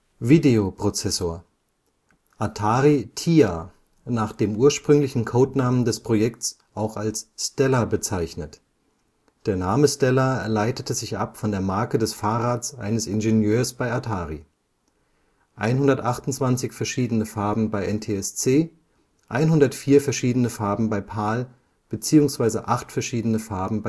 Video-Prozessor: Atari TIA, nach dem ursprünglichen Codenamen des Projekts auch als Stella bezeichnet (der Name Stella leitete sich ab von der Marke des Fahrrads eines Ingenieurs bei Atari). 128 verschiedene Farben (NTSC), 104 verschiedene Farben (PAL) bzw. acht verschiedene Farben